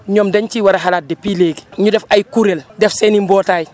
ñoom dañ ciy war a xalaat depuis léegi ñu def ay kuréel def seen i mbootaay